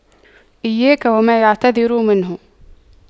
إياك وما يعتذر منه